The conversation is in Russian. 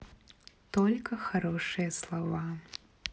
только хорошие слова